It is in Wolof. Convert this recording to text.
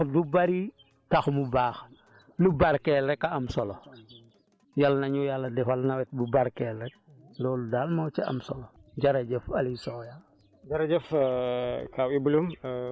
yàlla nag ay baaxal ndox du bëri tax mu baax lu barkeel rek a am solo yal nañu yàlla defal nawet bu barkeel rek loolu daal moo ci am solo jërëjëf Aliou Sow yow